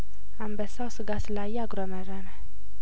አንበሳው ስጋ ስላ የአጉረመረመ